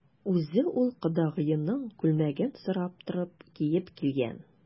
Үзе ул кодагыеның күлмәген сорап торып киеп килгән.